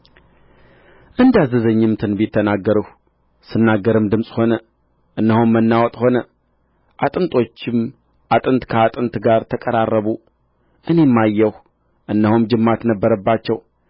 እንዳዘዘኝም ትንቢት ተናገርሁ ስናገርም ድምፅ ሆነ እነሆም መናወጥ ሆነ አጥንቶችም አጥንት ከአጥንት ጋር ተቀራረቡ እኔም አየሁ እነሆም ጅማት ነበረባቸው